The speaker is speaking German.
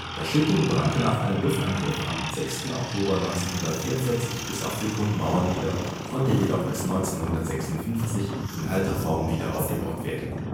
Der Schütting brannte nach einem Luftangriff am 6. Oktober 1944 bis auf die Grundmauern nieder, konnte jedoch bis 1956 in alter Form wieder aufgebaut werden